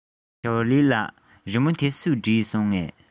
ཞོའོ ལིའི ལགས རི མོ འདི སུས བྲིས སོང ངས